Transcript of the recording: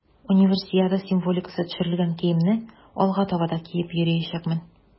Универсиада символикасы төшерелгән киемне алга таба да киеп йөриячәкмен.